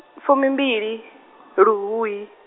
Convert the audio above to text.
fumimbili, luhuhi.